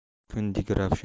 kundek ravshan